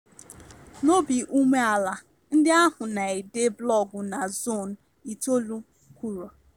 N'obi umeala, ndị ahụ na-ede blọọgụ na Zone9 kwuru: